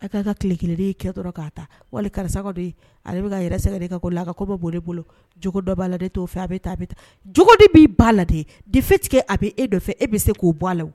A ka ka kile kelen nin kɛ dɔrɔn ka ta . wali karisa kɔni ale bi ka yɛrɛ singɛ ne ka ko la. A ka ko man bon ne bolo . Jogo dɔ ba la ne to fɛ , a bɛ tan a bɛ tan . Jogo nin min Bala dɛ de faite que a be e nɔfɛ e be se ko bɔ a la.